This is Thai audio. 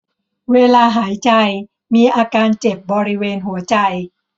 เวลาหายใจมีอาการเจ็บบริเวณหัวใจ